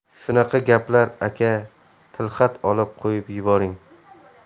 shunaqa gaplar aka tilxat olib qo'yib yuboring